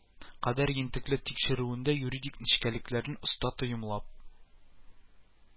Кадәр ентекле тикшерүендә, юридик нечкәлекләрне оста тоемлап